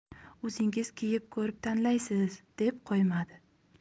o'zingiz kiyib ko'rib tanlaysiz deb qo'ymadi